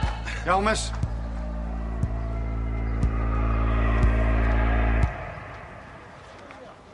Iawn Miss.